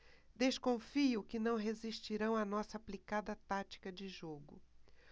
desconfio que não resistirão à nossa aplicada tática de jogo